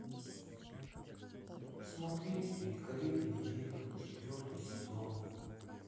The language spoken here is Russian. смотреть великолепный век четвертый сезон